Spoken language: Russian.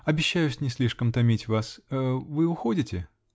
-- Обещаюсь не слишком томить вас. Вы уходите?